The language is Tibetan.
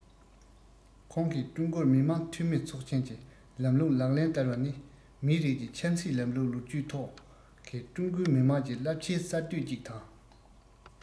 ཁོང གིས ཀྲུང གོར མི དམངས འཐུས མི ཚོགས ཆེན གྱི ལམ ལུགས ལག ལེན བསྟར བ ནི མིའི རིགས ཀྱི ཆབ སྲིད ལམ ལུགས ལོ རྒྱུས ཐོག གི ཀྲུང གོ མི དམངས ཀྱི རླབས ཆེའི གསར གཏོད ཅིག དང